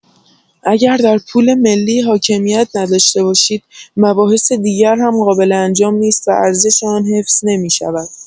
اگر در پول ملی حاکمیت نداشته باشید مباحث دیگر هم قابل انجام نیست و ارزش آن حفظ نمی‌شود.